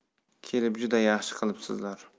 kelib juda yaxshi qilibsizlar